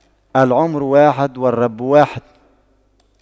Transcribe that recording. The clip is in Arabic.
العمر واحد والرب واحد